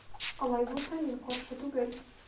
Алай булса мин каршы түгел.